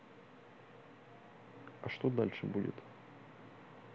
а что дальше будет